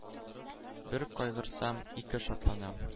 Бер кайгырсам, ике шатланам.